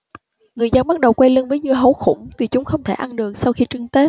người dân bắt đầu quay lưng với dưa hấu khủng vì chúng không thể ăn được sau khi trưng tết